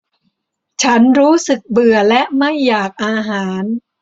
ฉันรู้สึกเบื่อและไม่อยากอาหาร